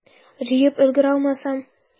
Җыеп өлгерә алмасам?